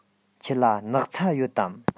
ཁྱེད ལ སྣག ཚ ཡོད དམ